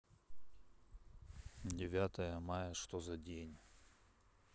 девятое мая что за день